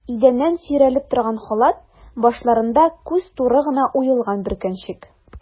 Идәннән сөйрәлеп торган халат, башларында күз туры гына уелган бөркәнчек.